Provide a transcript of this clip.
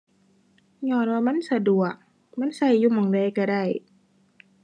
ญ้อนว่ามันสะดวก มันใช้อยู่หม้องใดใช้ได้